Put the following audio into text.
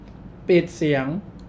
ปิดเสียง